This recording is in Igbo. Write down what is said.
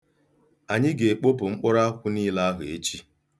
Anyị ga-ekpopụ mkpụrụ akwụ niile ahụ echi.